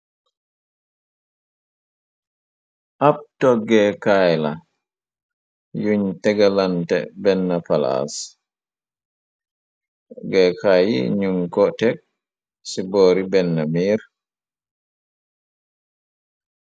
Ab toggeekaay la yuñ tegalante benn palaas gkaay i ñun ko teg ci boori benn miir.